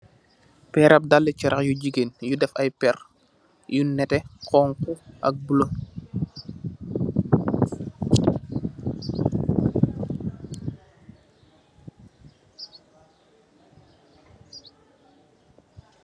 perab daali sharah yu gigain yu def aii perr yu neteh, honghu ak buloo.